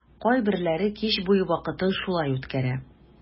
Кайберләре кич буе вакытын шулай үткәрә.